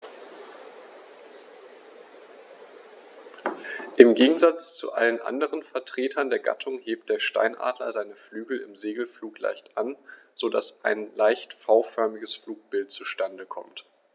Im Gegensatz zu allen anderen Vertretern der Gattung hebt der Steinadler seine Flügel im Segelflug leicht an, so dass ein leicht V-förmiges Flugbild zustande kommt.